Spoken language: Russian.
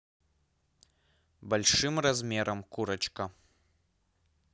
большим размером курочка